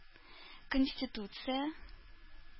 Конституция